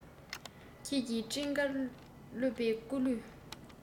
ཁྱེད ཀྱི སྤྲིན དཀར བཀླུབས པའི སྐུ ལུས